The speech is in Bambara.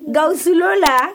Gas la